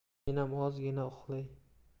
menam ozgina uxlay